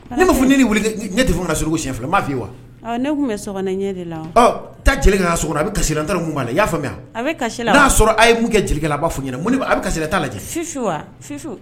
Ne ɲɛ tɛ ka s siyɛnfɛ m'a f' i wa ne tun bɛ ɲɛ de la ta kaa so a bɛ kasi n ta mun' la y'a faamuya a la y'a sɔrɔ a ye mun kɛ jeli a'a fɔ ɲɛna mun a bɛ ka kasi t'a lajɛ wa